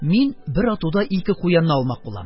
Мин бер атуда ике куянны алмак булам: